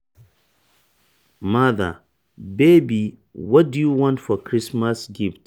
Mother: Baby, what do you want for Christmas gift?